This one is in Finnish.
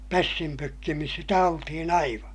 pässin pökkimissä sitä oltiin aivan